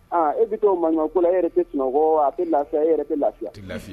Aa e bɛ manka ko yɛrɛ sunɔgɔ a tɛ lafiya e yɛrɛ tɛ lafiya lafiya